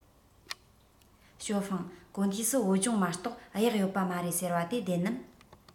ཞའོ ཧྥུང གོ ཐོས སུ བོད ལྗོངས མ གཏོགས གཡག ཡོད པ མ རེད ཟེར བ དེ བདེན ནམ